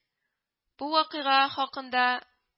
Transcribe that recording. Бу вакыйга хакында